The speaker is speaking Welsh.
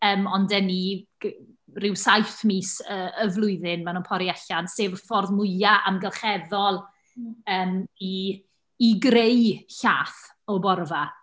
Yym ond dan ni g- ryw saith mis yy y flwyddyn maen nhw'n pori allan, sef y fordd mwya amgylcheddol, yym, i i greu llaeth o borfa.